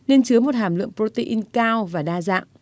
nên chứa một hàm lượng bờ rô tê in cao và đa dạng